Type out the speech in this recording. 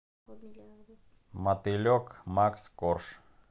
мотылек макс корж